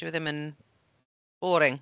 Dyw e ddim yn boring?